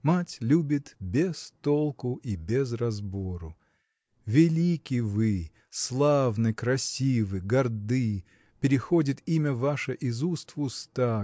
Мать любит без толку и без разбору. Велики вы славны красивы горды переходит имя ваше из уст в уста